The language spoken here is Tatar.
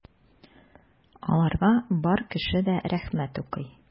Аларга бар кеше дә рәхмәт укый.